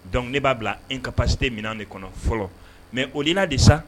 Donc ne b'a bila incapacité minɛn de kɔnɔ fɔlɔ mais au delà de ça